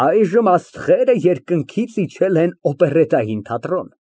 Այժմ աստղերն երկնքից իջել են օպերետային թատրոն։